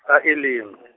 a Elim .